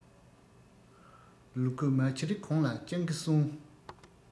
ལུ གུ མ འཁྱེར གོང ལ སྤྱང ཀི སྲུངས